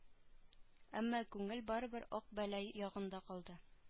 Әмма күңел барыбер ак бәләй ягында калды